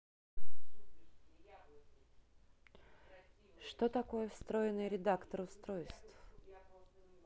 что такое встроенный редактор устройств